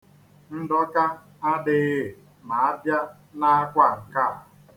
Ndọka adịghị ma abịa n'akwa nke a.